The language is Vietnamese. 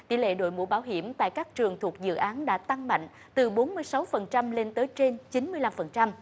tỷ lệ đội mũ bảo hiểm tại các trường thuộc dự án đã tăng mạnh từ bốn mươi sáu phần trăm lên tới trên chín mươi lăm phần trăm